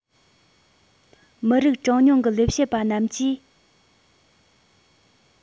མི རིགས གྲངས ཉུང གི ལས བྱེད པ རྣམས ཀྱིས